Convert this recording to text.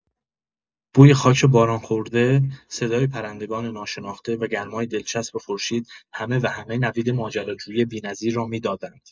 بوی خاک باران‌خورده، صدای پرندگان ناشناخته و گرمای دلچسب خورشید، همه و همه نوید ماجراجویی بی‌نظیر را می‌دادند.